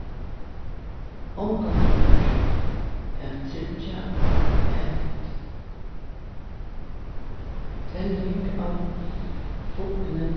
ongantíð ov skjótt at tryggja at teljing av fugli